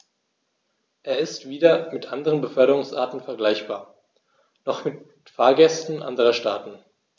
Er ist weder mit anderen Beförderungsarten vergleichbar, noch mit Fahrgästen anderer Staaten.